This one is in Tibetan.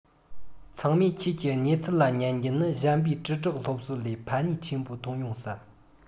ཚང མས ཁྱེད ཀྱི གནས ཚུལ ལ ཉན རྒྱུ ནི གཞན པའི དྲིལ སྒྲོག སློབ གསོ ལས ཕན ནུས ཆེན པོ ཐོན ཡོད བསམ